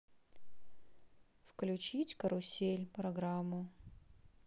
включить карусель программу